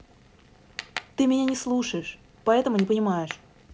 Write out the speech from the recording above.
ты меня не слушаешь поэтому не понимаешь